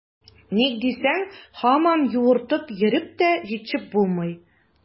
Ник дисәң, һаман юыртып йөреп тә җитешеп булмый.